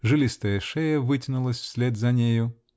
Жилистая шея вытянулась вслед за нею.